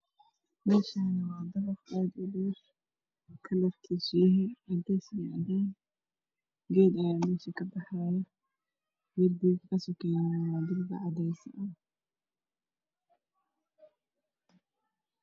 Meeshaani waa dabaq kalarkisa yahay cadaan ged Aya ka baxaayo cadees ah